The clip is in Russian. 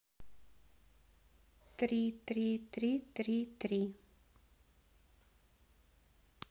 три три три три три